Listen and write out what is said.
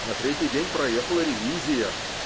На третий день проехала ревизия